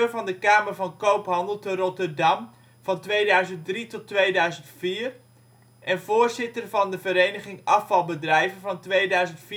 van de Kamer van Koophandel te Rotterdam (2003-2004) en voorzitter van de Vereniging Afvalbedrijven (2004-2006